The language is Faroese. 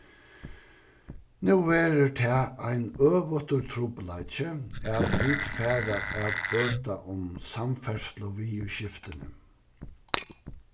nú verður tað ein øvutur trupulleiki at vit fara at bøta um samferðsluviðurskiftini